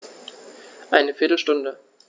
Eine viertel Stunde